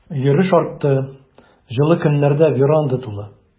Йөреш артты, җылы көннәрдә веранда тулы.